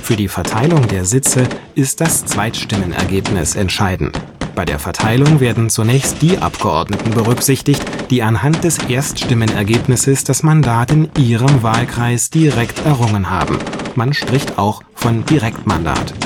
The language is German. Für die Verteilung der Sitze ist das Zweitstimmenergebnis entscheidend. Bei der Verteilung werden zunächst die Abgeordneten berücksichtigt, die anhand des Erststimmenergebnisses das Mandat in ihrem Wahlkreis direkt errungen haben - man spricht auch von Direktmandat